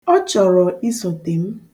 Ọ chọrọ isote m.